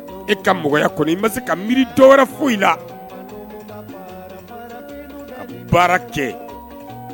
E ka mɔgɔya kɔni i ma se ka miiri dɔ wɛrɛ fosi la, ka baara kɛ